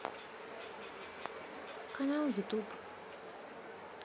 канал ютуб